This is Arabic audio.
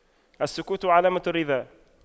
السكوت علامة الرضا